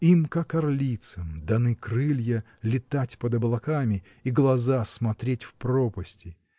— Им, как орлицам, даны крылья летать под облаками и глаза — смотреть в пропасти.